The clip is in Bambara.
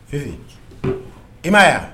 Ee i m maa yan